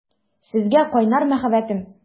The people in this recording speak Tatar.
Сезгә кайнар мәхәббәтем!